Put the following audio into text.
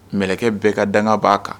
Kɛlɛkɛ bɛɛ ka danga b'a kan